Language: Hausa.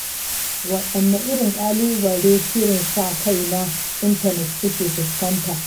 Waɗanne irin ƙalubale shirin sa-kai na intanet suke fuskanta?